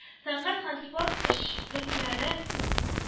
Сәнгать һәм спорт эшлекләре